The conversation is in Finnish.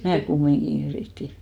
minä kumminkin yritin